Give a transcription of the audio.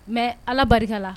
Mɛais, allah barika la